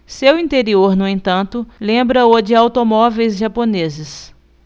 seu interior no entanto lembra o de automóveis japoneses